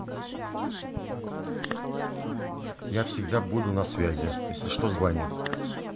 на связи